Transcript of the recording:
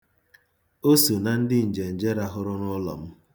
O so na ndị njenje rahụrụ n'ụlọ m.